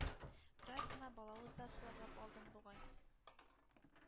Бераз гына балавыз да сыгып алдым бугай.